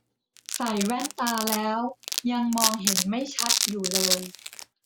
ใส่แว่นตาแล้วยังมองเห็นไม่ชัดอยู่เลย